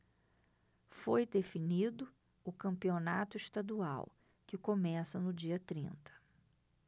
foi definido o campeonato estadual que começa no dia trinta